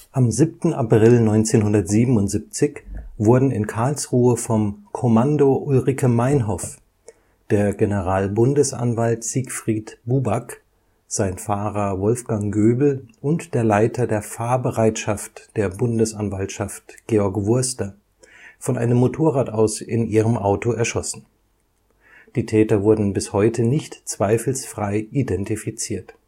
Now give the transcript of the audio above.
Am 7. April 1977 wurden in Karlsruhe vom Kommando Ulrike Meinhof der Generalbundesanwalt Siegfried Buback, sein Fahrer Wolfgang Göbel und der Leiter der Fahrbereitschaft der Bundesanwaltschaft Georg Wurster von einem Motorrad aus in ihrem Auto erschossen. Die Täter wurden bis heute nicht zweifelsfrei identifiziert